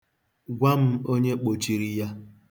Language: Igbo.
Gwa m onye kpochiri ya.